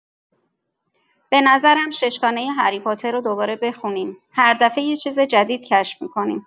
به نظرم ششگانۀ هری پاتر رو دوباره بخونیم، هر دفعه یه چیز جدید کشف می‌کنیم.